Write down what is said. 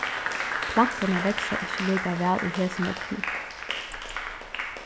planturnar vaksa ikki líka væl í hesum veðrinum